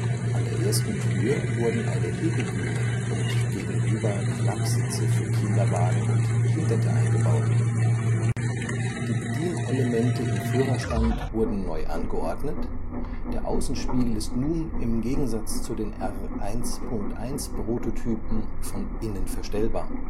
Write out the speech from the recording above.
An der ersten Türe wurden eine Hebebühne und gegenüber Klappsitze für Kinderwagen und Behinderte eingebaut. Die Bedienelemente im Führerstand wurden neu angeordnet, der Außenspiegel ist nun im Gegensatz zu den R 1.1-Prototypen von innen verstellbar